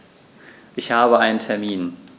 Ich habe einen Termin.